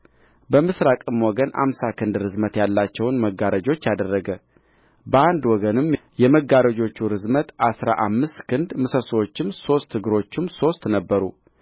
በምሥራቅም ወገን አምሳ ክንድ ርዝመት ያላቸውን መጋረጆች አደረገ በአንድ ወገንም የመጋረጆቹ ርዝመት አሥራ አምስት ክንድ ምሰሶቹም ሦስት እግሮቹም ሦስት ነበሩ